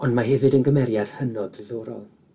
Ond mae hefyd yn gymeriad hynod ddiddorol.